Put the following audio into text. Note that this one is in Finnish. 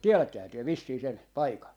tiedättehän te vissiin sen paikan